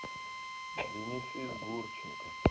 бенефис гурченко